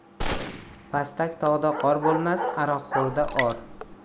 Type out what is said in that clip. pastak tog'da qor bo'lmas aroqxo'rda or